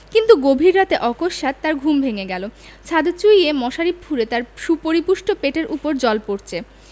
কিন্তু গভীর রাতে অকস্মাৎ তাঁর ঘুম ভেঙ্গে গেল ছাদ চুঁইয়ে মশারি ফুঁড়ে তাঁর সুপরিপুষ্ট পেটের উপর জল পড়চে